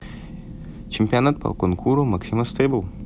чемпионат по конкуру максима stable